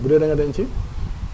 bu dee da nga denc